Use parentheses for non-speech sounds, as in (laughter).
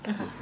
(hesitation) (hesitation)